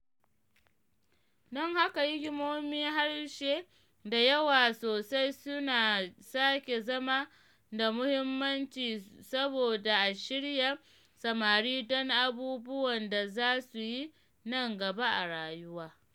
Don haka hikimomin harshe da yawa sosai suna sake zama da muhimmanci saboda a shirya samari don abubuwan da za su yi nan gaba a rayuwa.